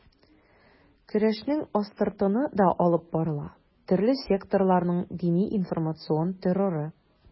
Көрәшнең астыртыны да алып барыла: төрле секталарның дини-информацион терроры.